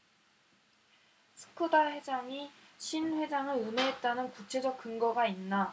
스쿠다 사장이 신 회장을 음해했다는 구체적 근거가 있나